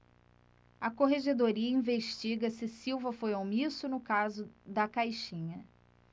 a corregedoria investiga se silva foi omisso no caso da caixinha